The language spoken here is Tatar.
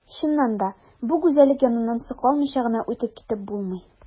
Чыннан да бу гүзәллек яныннан сокланмыйча гына үтеп китеп булмый.